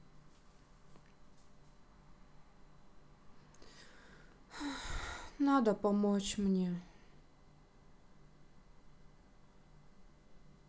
надо помочь мне